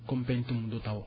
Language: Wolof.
Koumpentoum du taw